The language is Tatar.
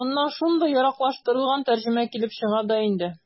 Моннан шундый яраклаштырылган тәрҗемә килеп чыга да инде.